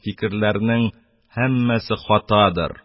Фикерләрнең һәммәсе хатадыр,